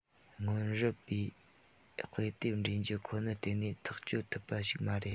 སྔོན རབས པའི དཔེ དེབ འདྲེན རྒྱུ ཁོ ནར བརྟེན ནས ཐག གཅོད ཐུབ པ ཞིག མ རེད